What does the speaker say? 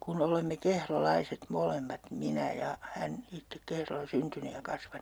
kun olemme kehrolaiset molemmat minä ja hän itse Kehrolla syntynyt ja kasvanut